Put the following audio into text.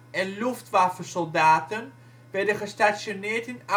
en Luftwaffesoldaten werden gestationeerd in